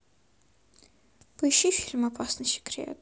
поищи фильм опасный секрет